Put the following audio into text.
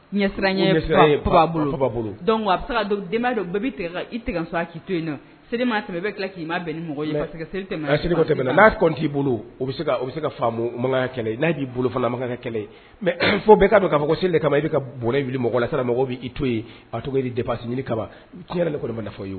Bolo a i to seli tɛmɛ tila k'i ma bɛn ni mɔgɔ seli'a t'i bolo se makan n'a y'i bolo makan mɛ fɔ' don fɔ seli kama i bɛ ka mɔgɔ la sera mɔgɔ b' ii to yen a to di desi ɲini kama ti yɛrɛ kɔni dafa fɔ ye